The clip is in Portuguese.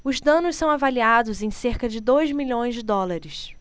os danos são avaliados em cerca de dois milhões de dólares